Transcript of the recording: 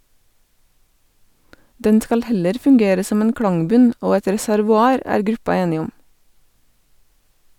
Den skal heller fungere som en klangbunn, og et reservoar, er gruppa enig om.